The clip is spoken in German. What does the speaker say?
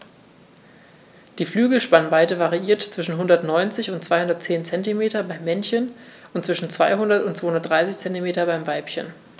Die Flügelspannweite variiert zwischen 190 und 210 cm beim Männchen und zwischen 200 und 230 cm beim Weibchen.